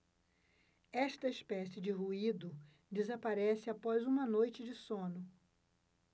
esta espécie de ruído desaparece após uma noite de sono